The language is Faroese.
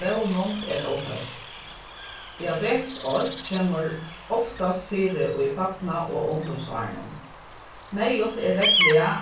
blóðinum er ov høgt diabetes eitt kemur oftast fyri í barna- og ungdómsárunum neyðugt er regluliga